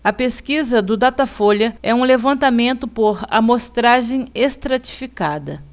a pesquisa do datafolha é um levantamento por amostragem estratificada